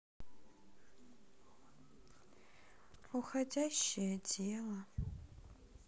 уходящее дело